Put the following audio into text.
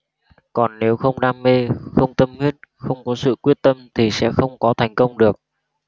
còn nếu không đam mê không tâm huyết không có sự quyết tâm thì sẽ không có thành công được